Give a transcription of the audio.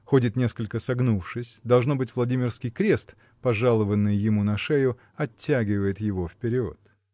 ходит несколько согнувшись: должно быть, Владимирский крест, пожалованный ему на шею, оттягивает его вперед.